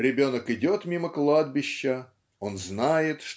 Ребенок идет мимо кладбища он знает